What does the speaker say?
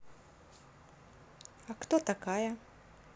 а кто такая